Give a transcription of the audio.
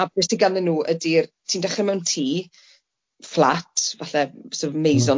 a be sy ganddyn n'w ydi'r ti'n dechre mewn tŷ, fflat falle sort of maison... Mm...